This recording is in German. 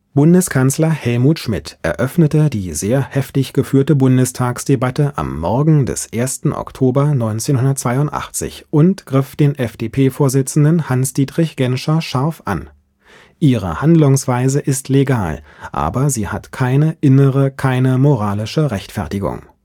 Bundeskanzler Helmut Schmidt eröffnete die sehr heftig geführte Bundestagsdebatte am Morgen des 1. Oktober 1982 und griff den FDP-Vorsitzenden Hans-Dietrich Genscher scharf an: „ Ihre Handlungsweise ist legal, aber sie hat keine innere, keine moralische Rechtfertigung